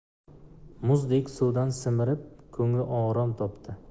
muzdek suvdan simirib kungli orom topdi